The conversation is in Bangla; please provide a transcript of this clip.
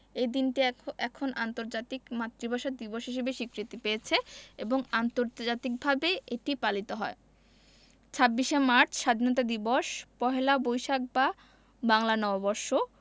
এই দিনটি এখন আন্তর্জাতিক মাতৃভাষা দিবস হিসেবে স্বীকৃতি পেয়েছে এবং আন্তর্জাতিকভাবে এটি পালিত হয় ২৬শে মার্চ স্বাধীনতা দিবস পহেলা বৈশাখ বা বাংলা নববর্ষ